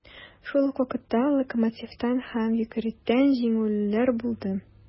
Шул ук вакытта "Локомотив"тан (2:6) һәм "Йокерит"тан (1:3) җиңелүләр булды.